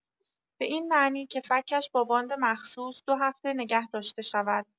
به این معنی که فک‌اش با باند مخصوص دو هفته نگه داشته شود.